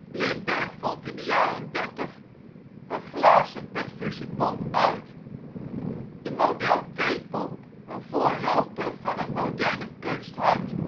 Lindbergh vond in de jaren dertig een glazen perfusiepomp uit, de " Model T " pomp, een voorloper van het moderne kunsthart